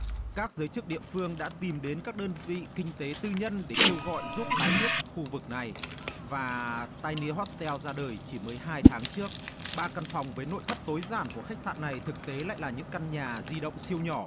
các giới chức địa phương đã tìm đến các đơn vị kinh tế tư nhân để kêu gọi giúp tái thiết khu vực này và tai nê hót teo ra đời chỉ mới hai tháng trước ba căn phòng với nội thất tối giản của khách sạn này thực tế lại là những căn nhà di động siêu nhỏ